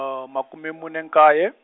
a makume mune nkaye.